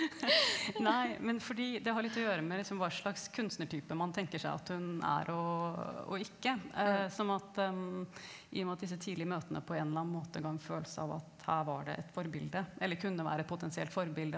nei men fordi det har litt å gjøre med liksom hva slags kunstnertype man tenker seg at hun er og ikke sånn at i og med at disse tidlige møtene på en eller annen måte ga en følelse av at her var det et forbilde eller kunne det være et potensielt forbilde.